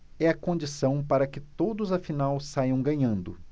é a condição para que todos afinal saiam ganhando